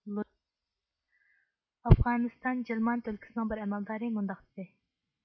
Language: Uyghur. ئافغانىستان جېلماند ئۆلكىسىنىڭ بىر ئەمەلدارى مۇنداق دېدى